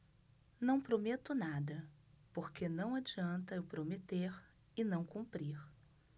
não prometo nada porque não adianta eu prometer e não cumprir